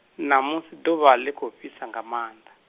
ṋamusi ḓuvha, ḽi khou fhisa nga manda.